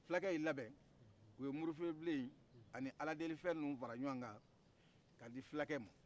filakɛ yi labɛ u ye murufe bilen yi ani ala deli fɛn nunu faraɲɔgɔnkan k'a di filakɛ ma